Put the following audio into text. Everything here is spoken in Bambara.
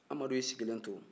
amadu y'i sigilen do